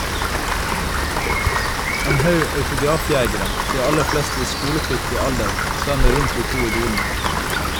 En haug autografjegere, de aller fleste i skolepliktig alder, svermer rundt de to idolene.